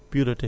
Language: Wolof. pureté